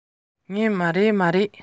སེམས ནང ལ མཆི མའི